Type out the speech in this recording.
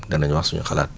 danañ wax suñu xalaat